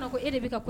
Ko e bɛ